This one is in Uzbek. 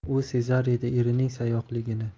u sezar edi erining sayoqligini